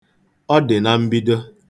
Ọ dị na mbido.